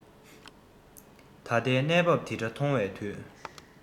ད ལྟའི གནས བབས འདི འདྲ མཐོང བའི དུས